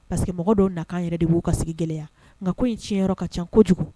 Pa parce quemɔgɔ dɔw nakan yɛrɛ de b'u ka sigi gɛlɛyaya nka ko in tiɲɛyɔrɔ ka ca kojugu